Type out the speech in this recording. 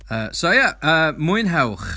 Yy so ia, yy mwynhewch!